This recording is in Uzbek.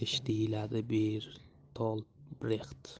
ish deyiladi bertold brext